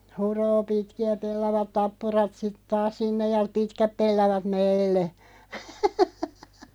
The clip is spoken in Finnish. huroo pitkiä pellavat tappurat sitten taas sinne ja pitkät pellavat meille.